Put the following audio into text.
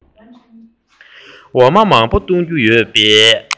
འོ མ མང པོ བཏུང རྒྱུ ཡོད པའི